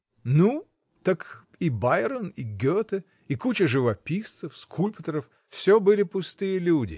— Ну так и Байрон, и Гете, и куча живописцев, скульпторов — всё были пустые люди.